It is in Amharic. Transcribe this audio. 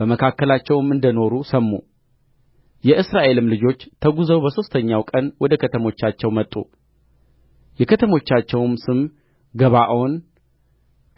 በመካከላቸውም እንደ ኖሩ ሰሙ የእስራኤልም ልጆች ተጕዘው በሦስተኛው ቀን ወደ ከተሞቻቸው መጡ የከተሞቻቸውም ስም ገባዖን